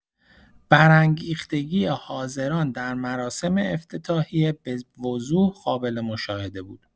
برانگیختگی حاضران در مراسم افتتاحیه به‌وضوح قابل‌مشاهده بود.